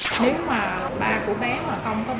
nếu mà ba của bé